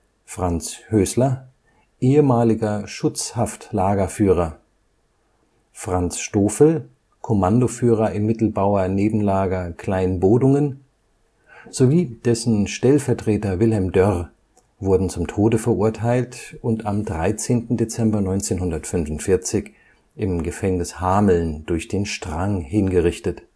Franz Hößler, ehemaliger Schutzhaftlagerführer, Franz Stofel, Kommandoführer im Mittelbauer Nebenlager Kleinbodungen, sowie dessen Stellvertreter Wilhelm Dörr wurden zum Tode verurteilt und am 13. Dezember 1945 im Gefängnis Hameln durch den Strang hingerichtet